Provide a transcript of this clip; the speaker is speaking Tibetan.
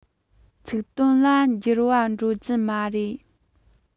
ཚིག དོན ལ འགྱུར བ འགྲོ རྒྱུ མ རེད